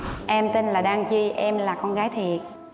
em tên là đan chi em là con gái thiệt